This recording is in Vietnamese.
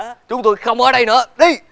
chúng tôi không ở đây nữa đây